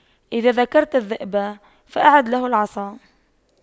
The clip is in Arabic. إذا ذكرت الذئب فأعد له العصا